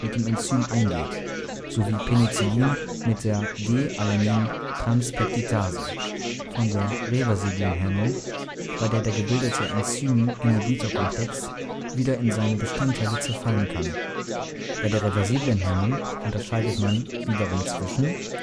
dem Enzym eingeht (so wie Penicillin mit der D-Alanin-Transpeptidase), von der reversiblen Hemmung, bei der der gebildete Enzym-Inhibitor-Komplex wieder in seine Bestandteile zerfallen kann. Bei der reversiblen Hemmung unterscheidet man wiederum zwischen